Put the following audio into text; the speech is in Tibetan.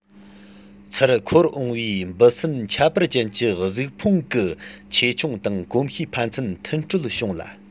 ཚུར འཁོར འོངས པའི འབུ སྲིན ཁྱད པར ཅན གྱི གཟུགས ཕུང གི ཆེ ཆུང དང གོམ གཤིས ཕན ཚུན མཐུན འཕྲོད བྱུང ལ